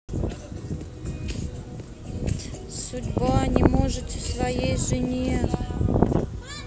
судьба не можете своей жене